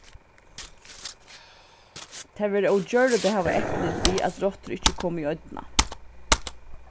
tað verður ógjørligt at hava eftirlit við at rottur ikki koma í oynna